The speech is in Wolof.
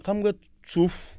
xam nga suuf